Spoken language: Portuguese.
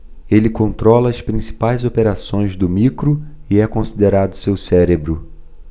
ele controla as principais operações do micro e é considerado seu cérebro